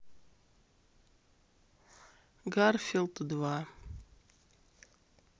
гарфилд два